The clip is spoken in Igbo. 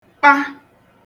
kpa